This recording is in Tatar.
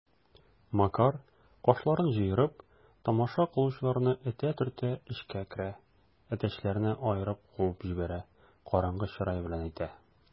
Макар, кашларын җыерып, тамаша кылучыларны этә-төртә эчкә керә, әтәчләрне аерып куып җибәрә, караңгы чырай белән әйтә: